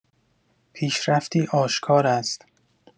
پیشرفتی آشکار است.